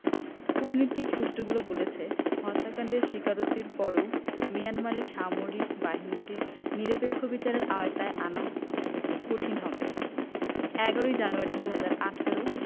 কূটনৈতিক সূত্রগুলো বলেছে হত্যাকাণ্ডের স্বীকারোত্তির পরও মিয়ানমারের সামরিক বাহিনীকে নিরপেক্ষ বিচারের আওতায় আনা কঠিন হবে ১১ ই জানুয়ারি ২০১৮